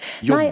nei.